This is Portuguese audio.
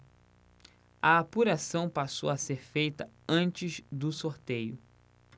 a apuração passou a ser feita antes do sorteio